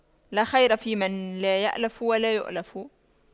لا خير فيمن لا يَأْلَفُ ولا يؤلف